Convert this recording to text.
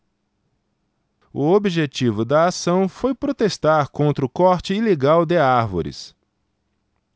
o objetivo da ação foi protestar contra o corte ilegal de árvores